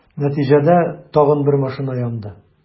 Нәтиҗәдә, тагын бер машина янды.